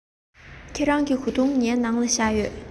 ཁྱེད རང གི གོས ཐུང ངའི ནང ལ བཞག ཡོད